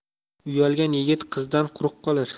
uyalgan yigit qizdan quruq qolar